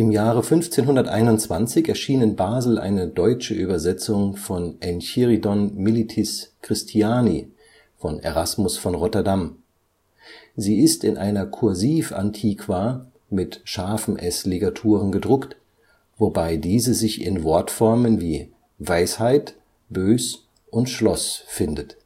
Jahre 1521 erschien in Basel eine deutsche Übersetzung (Leonis Judae) von Enchiridion militis Christiani von Erasmus von Rotterdam. Sie ist in einer Kursiv-Antiqua mit ß-Ligaturen gedruckt, wobei diese sich in Wortformen wie wyßheit, böß und schloß findet